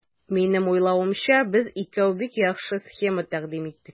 Минем уйлавымча, без икәү бик яхшы схема тәкъдим иттек.